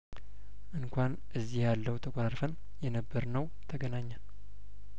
እንኳን እዚህ ያለው ተኮራርፈን የነበር ነው ተገናኘን